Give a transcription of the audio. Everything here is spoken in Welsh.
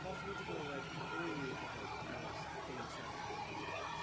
Hoffwn i 'di glywed pwy oedd like the most famous celebrity mae hi 'di wneud.